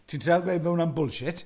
Ti'n trial gweud bod hwnna'n bullshit?